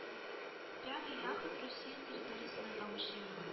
Пява-Яха Русия территориясеннән агучы елга